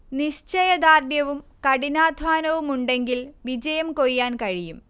നിശ്ചയ ദാർഢ്യവും കഠിനാധ്വാനവുമുണ്ടെങ്കിൽ വിജയം കൊയ്യാൻ കഴിയും